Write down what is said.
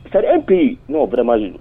C'est à dire un pays, non vraiment j